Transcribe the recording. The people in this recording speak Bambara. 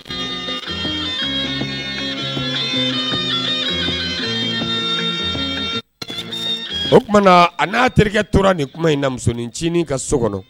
O kuma na a na terikɛ tora ni kuma in na musonincinin ka so kɔnɔ.